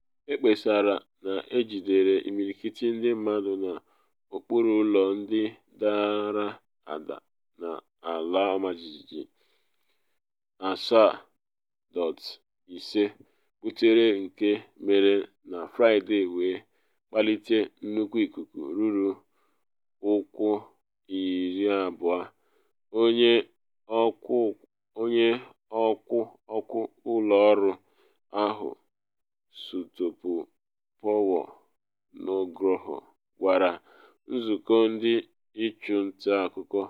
Ekpesara na ejidere imirikiti ndị mmadụ n’okpuru ụlọ ndị dara ada nke ala ọmajijiji 7.5 butere nke mere na Friday wee kpalite nnukwu ikuku ruru ụkwụ 20, onye okwu okwu ụlọ ọrụ ahụ Sutopo Purwo Nugroho gwara nzụkọ ndị nchụ nta akụkọ.